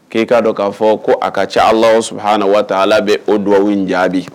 K'e k'a dɔn k'a fɔ ko a ka caa allah subahanuhu bɛ o dugawu in jaabi.